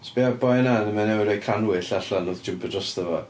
Sbia ar y boi yna ma' newydd roid canwyll allan wrth jympio drosto fo?